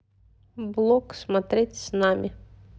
блог смотреть с нами